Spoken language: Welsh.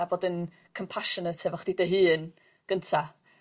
a fod yn compassionate hefo chdi dy hun gynta.